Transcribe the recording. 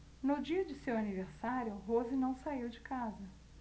no dia de seu aniversário rose não saiu de casa